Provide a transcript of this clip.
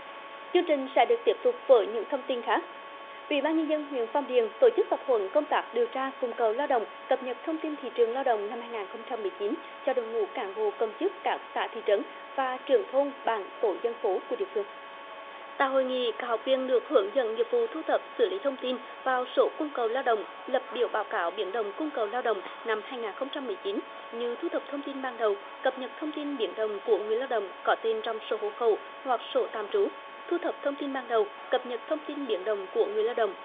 chương trình sẽ được tiếp tục với những thông tin khác ủy ban nhân dân huyện phong điền tổ chức tập huấn công tác điều tra cung cầu lao động cập nhật thông tin thị trường lao động năm hai ngàn không trăm mười chín cho đội ngũ cán bộ công chức các xã thị trấn và trưởng thôn bản tổ dân phố của địa phương tại hội nghị các học viên được hướng dẫn nghiệp vụ thu thập xử lý thông tin vào số cung cầu lao động lập biểu báo cáo biến động cung cầu lao động năm hai ngàn không trăm mười chín như thu thập thông tin ban đầu cập nhật thông tin biến động của người lao động có tên trong sổ hộ khẩu hoặc sổ tạm trú thu thập thông tin ban đầu cập nhật thông tin biến động của người lao động